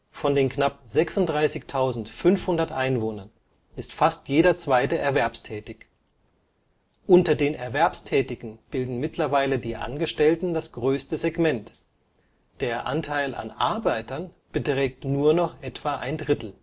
Von den knapp 36.500 Einwohnern ist fast jeder Zweite erwerbstätig. Unter den Erwerbstätigen bilden mittlerweile die Angestellten das größte Segment, der Anteil an Arbeitern beträgt nur noch etwa ein Drittel